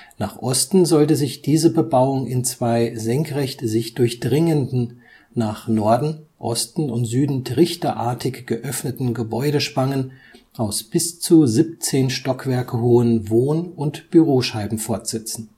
Nach Osten sollte sich diese Bebauung in zwei senkrecht sich durchdringenden, nach Norden, Osten und Süden trichterartig geöffneten Gebäudespangen aus bis zu 17 Stockwerke hohen Wohn - und Büroscheiben fortsetzen